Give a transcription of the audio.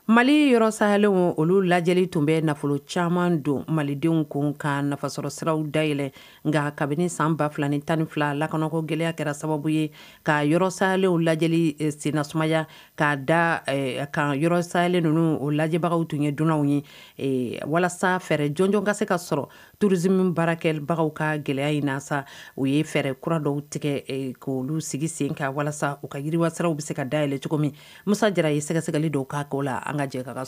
Mali yɔrɔsalen olu lajɛ tun bɛ nafolo caman don malidenw tun kasɔrɔ siraw dayɛlɛ nka kabini san 2 2 ni tan ni fila lakɔnɔkɔ gɛlɛya kɛra sababu ye ka yɔrɔsalen lajɛ sen nasumaumanya ka ka yɔrɔsalen ninnu o lajɛbagaw tun ye donnaw ye walasa fɛɛrɛ jɔnjɔnka se ka sɔrɔ t urrisieme baarakɛbagaw ka gɛlɛya in nasa u ye fɛɛrɛ kura dɔw tigɛ k' olu sigi sen ka walasa u ka yiriwasiraww bɛ se ka dayɛlɛn cogo min masa a ye sɛgɛsɛgɛli dɔw k'a'o la an ka jɛ ka so